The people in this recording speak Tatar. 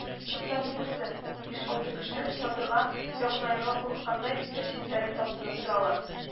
Чыкса, ни күрсен, биш-алты кеше, чатырга якынаерга курыккандай, бер читтәрәк таптанып торалар